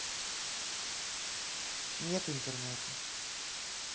нету интернета